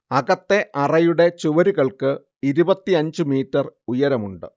അകത്തെ അറയുടെ ചുവരുകൾക്ക് ഇരുപത്തിയഞ്ച് മീറ്റർ ഉയരമുണ്ട്